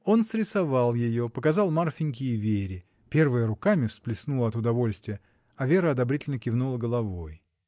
Он срисовал ее, показал Марфиньке и Вере: первая руками всплеснула от удовольствия, а Вера одобрительно кивнула головой.